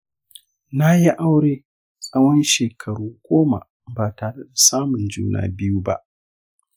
na yi aure tsawon shekaru goma ba tare da samun juna biyu ba.